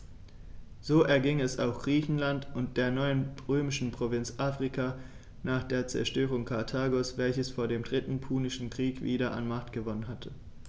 So erging es auch Griechenland und der neuen römischen Provinz Afrika nach der Zerstörung Karthagos, welches vor dem Dritten Punischen Krieg wieder an Macht gewonnen hatte.